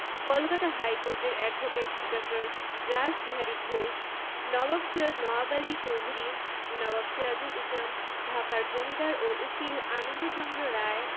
কলকাতা হাইকোর্টের advocate Dr. Rashbehari Ghosh Nawab Syed Nawab Ali Chowdhury Nawab Sirajul Islam ঢাকার জমিদার ও উকিল আনন্দচন্দ্র রায়